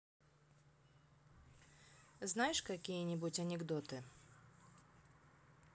знаешь какие нибудь анекдоты